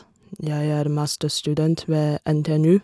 Jeg er masterstudent ved NTNU.